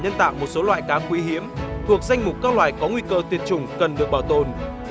nhân tạo một số loại cá quý hiếm thuộc danh mục các loài có nguy cơ tuyệt chủng cần được bảo tồn